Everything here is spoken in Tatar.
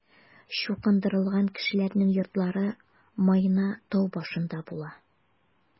Чукындырылган кешеләрнең йортлары Майна тау башында була.